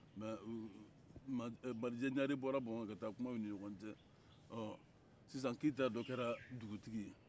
mɛ marijɛ ɲare bɔra bamakɔ yan ka taa kuma u ni ɲɔgɔn cɛ ɔ sisan keyita dɔ kɛra dugutigi ye